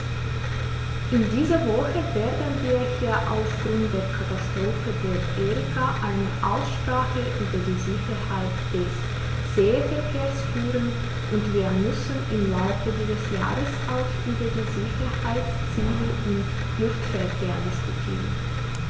In dieser Woche werden wir hier aufgrund der Katastrophe der Erika eine Aussprache über die Sicherheit des Seeverkehrs führen, und wir müssen im Laufe dieses Jahres auch über die Sicherheitsziele im Luftverkehr diskutieren.